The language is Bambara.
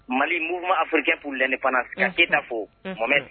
Mali Mouvement Africain pour l'Indépendance ka Keita fo Mohamɛd